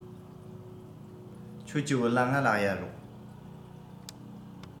ཁྱོད ཀྱི བོད ལྭ ང ལ གཡར རོགས